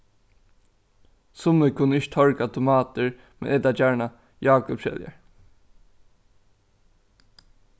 summi kunnu ikki torga tomatir men eta gjarna jákupsskeljar